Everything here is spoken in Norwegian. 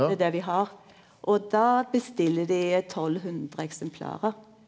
det er det vi har og då bestiller dei 1200 eksemplar.